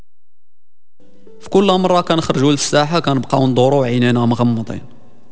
كلام راكان خجول الساعه كم